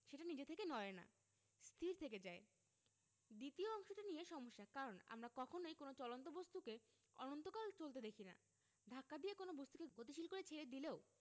সেটা নিজে থেকে নড়ে না স্থির থেকে যায় দ্বিতীয় অংশটি নিয়ে সমস্যা কারণ আমরা কখনোই কোনো চলন্ত বস্তুকে অনন্তকাল চলতে দেখি না ধাক্কা দিয়ে কোনো বস্তুকে গতিশীল করে ছেড়ে দিলেও